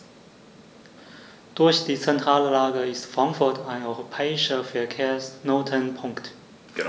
Durch die zentrale Lage ist Frankfurt ein europäischer Verkehrsknotenpunkt.